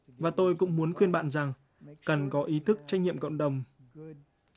và tôi cũng muốn khuyên bạn rằng cần có ý thức trách nhiệm cộng đồng